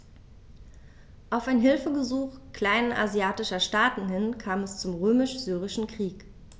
Auf ein Hilfegesuch kleinasiatischer Staaten hin kam es zum Römisch-Syrischen Krieg.